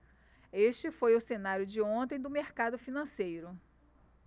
este foi o cenário de ontem do mercado financeiro